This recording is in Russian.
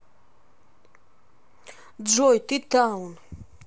джой ты таун